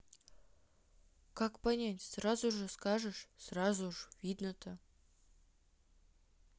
как понять сразу не скажешь сразу ж видно то